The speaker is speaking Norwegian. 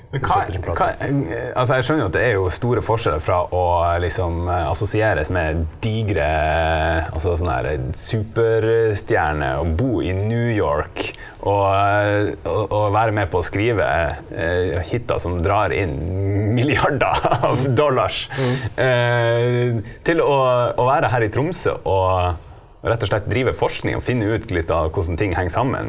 men hva hva altså jeg skjønner jo at det er jo store forskjeller fra å liksom assosieres med digre altså sånn derre superstjerner og bo i New York og og og være med på å skrive hitter som drar inn milliarder av dollars til å å være her i Tromsø og rett og slett drive forskning og finne ut litt av hvordan ting henger sammen.